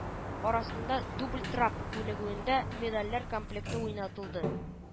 Арасында “дубль-трап” күнегүендә медальләр комплекты уйнатылды